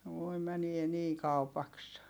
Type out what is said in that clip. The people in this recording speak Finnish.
voi menee niin kaupaksi